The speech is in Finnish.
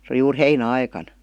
se oli juuri heinäaikana